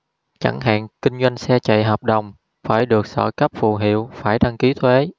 chẳng hạn kinh doanh xe chạy hợp đồng phải được sở cấp phù hiệu phải đăng ký thuế